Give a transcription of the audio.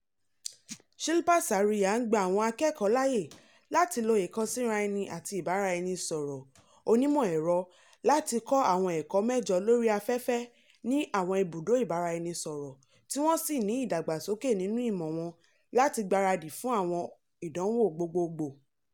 Shilpa Sayura ń gba àwọn akẹ́kọ̀ọ́ láyé láti lo ìkànsíraẹni àti ìbáraẹnisọ̀rọ̀ onímọ̀-ẹ̀rọ láti kọ́ àwọn ẹ̀kọ́ 8 lórí afẹ́fẹ́ ní àwọn ibùdó ìbáraẹnisọ̀rọ̀ tí wọ́n sì ń ní ìdàgbàsókè nínú ìmọ̀ wọn láti gbáradì fún àwọn ìdánwò gbogbogbò.